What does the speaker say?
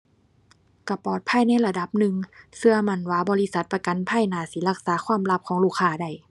ก็ปลอดภัยในระดับหนึ่ง ก็มั่นว่าบริษัทประกันภัยน่าสิรักษาความลับของลูกค้าได้